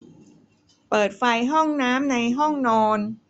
เปิดไฟห้องน้ำในห้องนอน